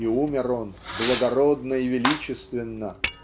и умер он благородно и величественно